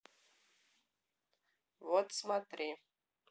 вот смотри